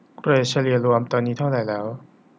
เกรดเฉลี่ยรวมตอนนี้เท่าไหร่แล้ว